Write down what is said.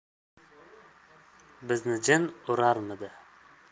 bizni jin urarmidi